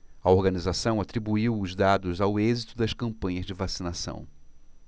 a organização atribuiu os dados ao êxito das campanhas de vacinação